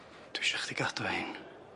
Dwi isio chdi gadw rhein.